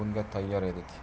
bunga tayyor edik